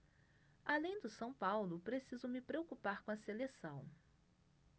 além do são paulo preciso me preocupar com a seleção